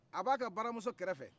a b'a ka baramuso kɛrɛfɛ